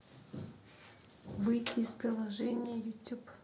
выйти из приложения ютуб